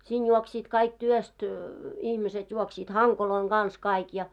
siinä juoksivat kaikki työstä ihmiset juoksivat hankojen kanssa kaikki ja